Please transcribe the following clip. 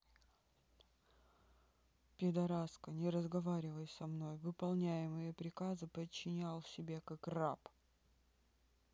пидараска не разговаривай со мной выполняемые приказы подчинял себе как раб